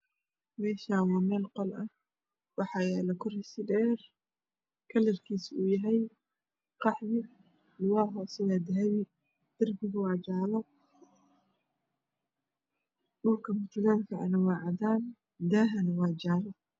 Meshaan waa qol waxaa yaal kursi dheer kalrkiisu uu yahay qaxwi lugaha hoose waa dahpi darpiga waa jalo dhulka mutaleelka waa cadaan dahana waa jaalo